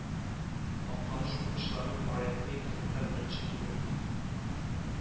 Актаныш укучыларның проекты интернетта беренче түгел